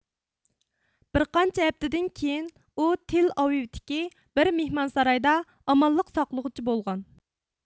بىر قانچە ھەپتىدىن كېيىن ئۇ تېل ئاۋېۋتىكى بىر مىھمانسارايدا ئامانلىق ساقلىغۇچى بولغان